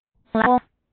བསག འོང ལ